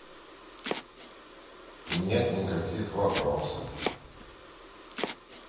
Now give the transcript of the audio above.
нет никаких вопросов